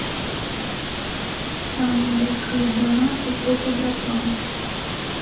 самые большие донаты топ игрокам